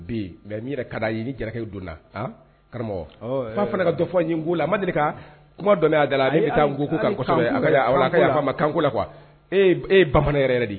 Bi mais min yɛrɛ ka di an ye, ni Jarakɛ donna, han, karamɔgɔ ,f'a fana ka dɔ fɔ Nko la, ma deli ka kuma dɔ mɛn a da la, min bɛ taa Nko ko kan kosɛbɛ, hali kan ko la; a ka yafa voila ,a ka yafa an ma kan ko la quoi , e ye e ye bamanan yɛrɛ de ye.